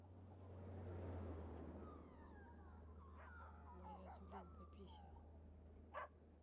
моя зуленька пися